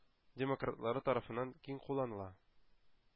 Демократлары тарафыннан киң кулланыла.